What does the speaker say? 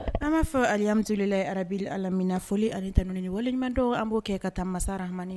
An b'a fɔ amidulila arabubiri amina foli ani tauni ye waleɲumandenw an b'o kɛ ka taa masasamani